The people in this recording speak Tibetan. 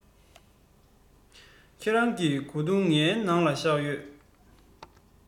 ཁྱེད རང གི གོས ཐུང ངའི ནང ལ བཞག ཡོད